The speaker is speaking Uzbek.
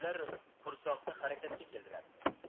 ular qursoqda harakatga keldilar